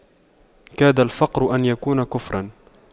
كاد الفقر أن يكون كفراً